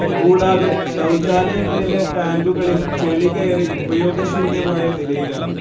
കൂടാതെ ശൗചാലയങ്ങളിലെ ടാങ്കുകളിൽ ചെളികയറി ഉപയോഗശൂന്യമായ നിലയിലാണ്